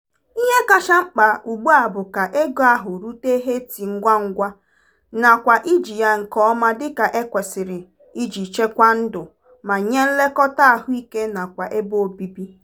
Ihe kacha mkpa ugbua bụ ka ego ahụ rute Haiti ngwangwa nakwa iji ya nke ọma dịka e kwesịrị iji chekwaa ndụ, ma nye nlekọta ahụike nakwa ebe obibi.